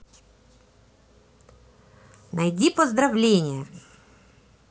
найди поздравления